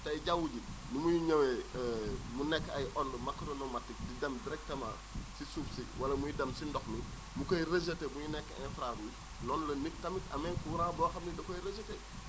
tey jaww ji ni muy ñëwee mu nekk ay ondes macronomatiques di dem directement si suuf si wala muy dem si ndox mi mu koy rejetté muy nekk infra rouge noonu la nit tamit amee courant boo xam ni da koy rejetté